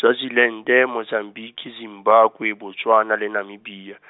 Swaziland e Mozambique Zimbabwe Botswana le Namibia .